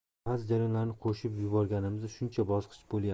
ba'zi jarayonlarni qo'shib yuborganimizda shuncha bosqich bo'lyapti